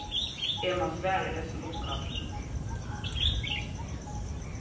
eg má svara hesum uppkallinum